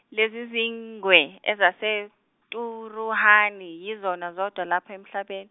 lezizingwe, ezaseTuruhani yizo zodwa lapha emhlaben-.